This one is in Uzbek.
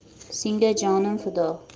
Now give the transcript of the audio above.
senga jonim fido